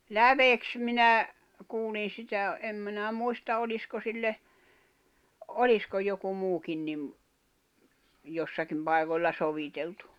läveksi minä kuulin sitä en minä muista olisiko sille olisiko joku muukin niin jossakin paikoilla soviteltu